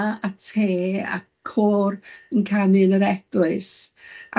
yym teisene a te a côr yn canu yn yr Eglwys.